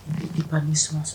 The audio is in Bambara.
I i ka ni sɔn sɔrɔ